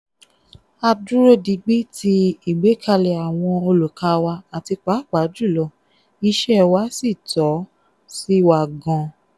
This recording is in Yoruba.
"A dúró digbí tí ìgbekẹ̀lé àwọn olùkà wa àti pàápàá jùlọ iṣẹ́ wa sì tọ́ sí wa gan.